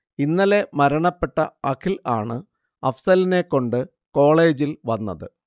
ഇന്നലെ മരണപ്പെട്ട അഖിൽ ആണ് അഫ്സലിനെ കൊണ്ട് കോളേജിൽ വന്നത്